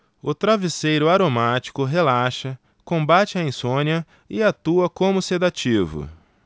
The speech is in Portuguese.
o travesseiro aromático relaxa combate a insônia e atua como sedativo